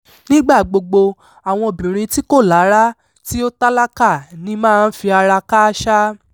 Nígbàgbogbo, àwọn obìnrin tí kò lárá tí ó tálákà ní í máa ń fi ara kááṣá.